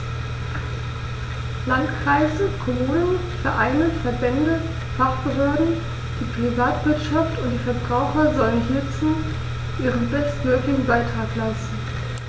Landkreise, Kommunen, Vereine, Verbände, Fachbehörden, die Privatwirtschaft und die Verbraucher sollen hierzu ihren bestmöglichen Beitrag leisten.